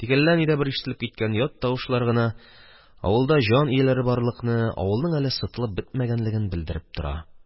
Тик әллә нидә бер ишетелеп киткән ят тавышлар гына авылда җан ияләре барлыкны, авылның әле сытылып бетмәгәнлеген белдереп тора.